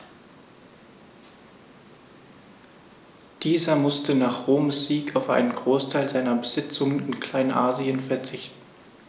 Dieser musste nach Roms Sieg auf einen Großteil seiner Besitzungen in Kleinasien verzichten.